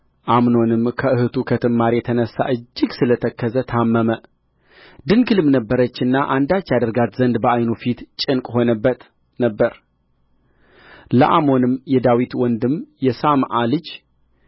አምኖንም ከእኅቱ ከትዕማር የተነሣ እጅግ ስለ ተከዘ ታመመ ድንግልም ነበረችና አንዳች ያደርጋት ዘንድ በዓይኑ ፊት ጭንቅ ሆኖበት ነበር ለአምኖንም የዳዊት ወንድም የሳምዓ ልጅ